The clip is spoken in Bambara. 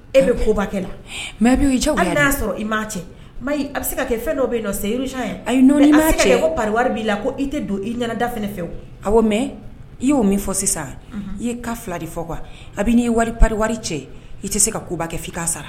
E bɛ kobakɛ la mɛ b' y'a sɔrɔ i m' cɛ a bɛ se ka kɛ fɛn dɔ bɛ seyi cɛ ko b'i la i tɛ don i ɲɛnada fɛ a mɛ i y'o min fɔ sisan i ye ka fila de fɔ kuwa a bɛ n'i wari wari cɛ i tɛ se ka koba kɛ i' sara